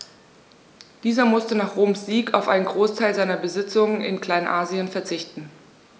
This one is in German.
Dieser musste nach Roms Sieg auf einen Großteil seiner Besitzungen in Kleinasien verzichten.